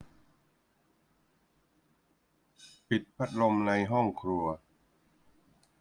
ปิดพัดลมในห้องครัว